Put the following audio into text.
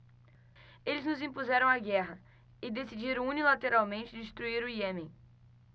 eles nos impuseram a guerra e decidiram unilateralmente destruir o iêmen